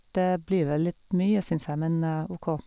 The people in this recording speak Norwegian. Det blir vel litt mye, synes jeg, men OK.